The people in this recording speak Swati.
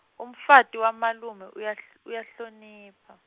umfati wamalume uyahl- uyahlonipha.